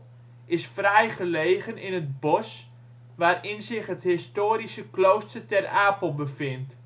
fraai gelegen in het bos waarin zich het historische Klooster Ter Apel bevindt